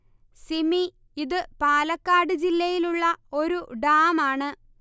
സിമി ഇതു പാലക്കാട് ജില്ലയില് ഉള്ള ഒരു ഡാം ആണ്